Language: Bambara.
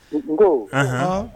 N ko o , unhun